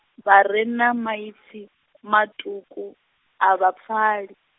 vha re na maipfi, maṱuku, a vha pfali.